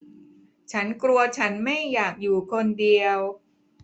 ฉันกลัวฉันไม่อยากอยู่คนเดียว